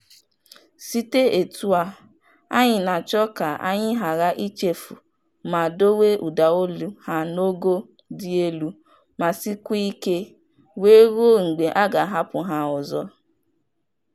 Site etu a, anyị na-achọ ka anyị ghara ichefu ma dowe ụdaolu ha n'ogo dị elu ma sikwa ike, wee ruo mgbe a ga-ahapụ ha ọzọ.